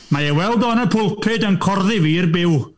Mae ei weld o'n y pwlpud yn corddi fi i'r byw...